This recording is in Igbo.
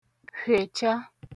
fhècha